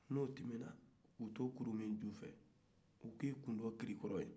n'o tɛmɛna k'u to kulu min jufɛ u ku kun nakirikara ya